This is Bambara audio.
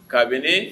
Kabini